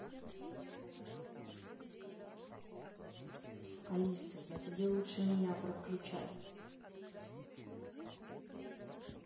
алиса я тебе лучше меня про включай